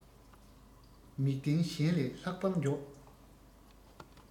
མིག ལྡན གཞན ལས ལྷག པར མགྱོགས